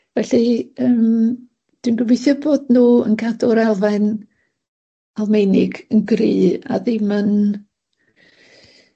Felly, yym dwi'n gobeithio bod nw yn cadw'r elfen Almaenig yn gry a ddim yn